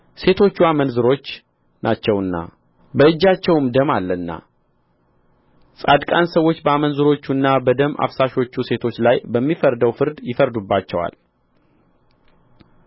ሴቶቹ አመንዝሮች ናቸውና በእጃቸውም ደም አለና ጻጽቃን ሰዎች በአመንዝሮቹና በደም አፍሳሾቹ ሴቶች ላይ በሚፈረደው ፍርድ ይፈርዱባቸዋል